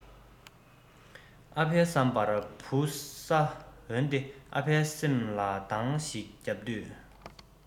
ཨ ཕའི བསམ པར བུ ས འོན ཏེ ཨ ཕའི སེམས ལ གདང ཞིག བརྒྱབ དུས